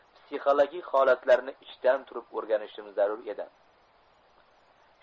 psixologik holatlarini ichdan turib o'rganishim zarur edi